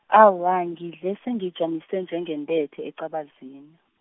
awa, ngidle sengiyijamise njengentethe ecabazini.